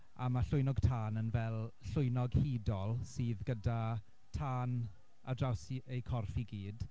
A ma' llwynog tân yn fel llwynog hudol sydd gyda tân ar draws i- ei corff i gyd.